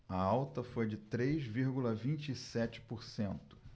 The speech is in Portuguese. a alta foi de três vírgula vinte e sete por cento